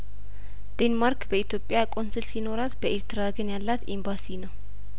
ዴንማርክ በኢትዮጵያ ቆንስል ሲኖራት በኤርትራ ግን ያላት ኤምባሲ ነው